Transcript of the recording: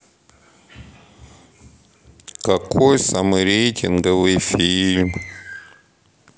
какой самый рейтинговый фильм